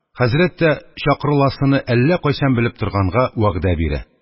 Хәзрәт тә, чакырыласыны әллә кайчан белеп торганга, вәгъдә бирә.